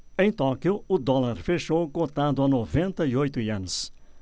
em tóquio o dólar fechou cotado a noventa e oito ienes